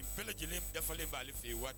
I bɛɛ lajɛlen dafa b'ale fɛ yen